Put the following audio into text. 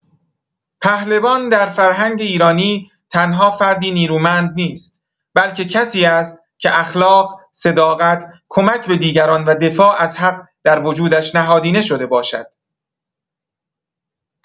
پهلوان در فرهنگ ایرانی تنها فردی نیرومند نیست، بلکه کسی است که اخلاق، صداقت، کمک به دیگران و دفاع از حق در وجودش نهادینه شده باشد.